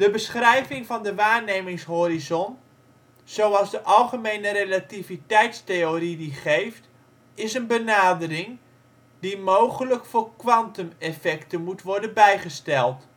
beschrijving van de waarnemingshorizon zoals de algemene relativiteitstheorie die geeft is een benadering, die mogelijk voor kwantumeffecten moet worden bijgesteld